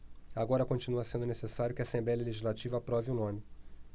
agora continua sendo necessário que a assembléia legislativa aprove o nome